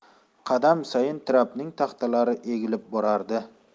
qadam sayin trapning taxtalari egilib borardi